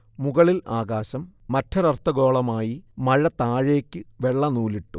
മുകളിൽ ആകാശം, മറ്റൊരർദ്ധഗോളമായി മഴ താഴേക്ക് വെള്ളനൂലിട്ടു